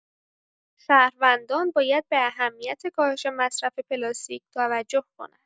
شهروندان باید به اهمیت کاهش مصرف پلاستیک توجه کنند.